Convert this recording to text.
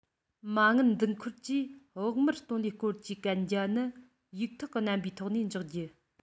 མ དངུལ འདུ འཁོར གྱིས བོགས མར གཏོང ལེན སྐོར གྱི གན རྒྱ ནི ཡིག ཐོག གི རྣམ པའི ཐོག ནས འཇོག རྒྱུ